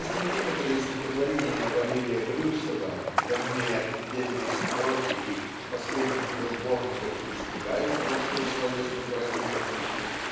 если некоторые стихотворения Валерия Брюсова (вернее -- отдельные строки их) в последних его сборниках и достигают большой словесной выразительности